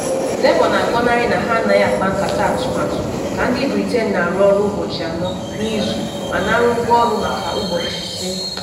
Labour na-agọnarị na ha anaghị akpa nkata atụmatụ ka ndị Britain na-arụ ọrụ ụbọchị anọ n’izu ma nara ụgwọ ọrụ maka ụbọchị ise